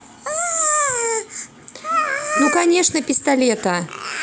ну конечно пистолета